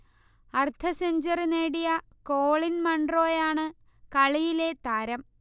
അർധ സെഞ്ച്വറി നേടിയ കോളിൻ മൺറോയാണ് കളിയിലെ താരം